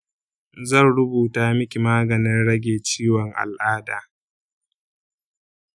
zan rubuta miki maganin rage ciwon al'ada.